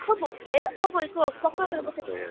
Come off it, oh my gosh. Mae hwnna'n meddwl bod fe'n... .